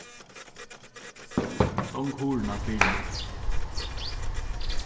stong hurðina fyri meg